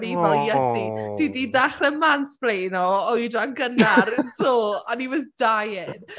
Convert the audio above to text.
O’n i fel Iesu, ti 'di dechrau mansplainio o oedran gynnar, yn do. And he was dying.